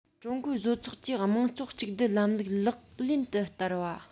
ཀྲུང གོའི བཟོ ཚོགས ཀྱིས དམངས གཙོ གཅིག སྡུད ལམ ལུགས ལག ལེན དུ བསྟར བ